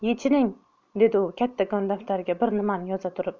yechining dedi u kattakon daftarga bir nimani yoza turib